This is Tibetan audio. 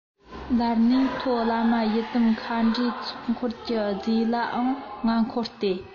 ལར ནས མཐོ བླ མ ཡི དམ མཁའ འགྲོའི ཚོགས འཁོར གྱི རྫས ལའང ང འཁོར སྟེ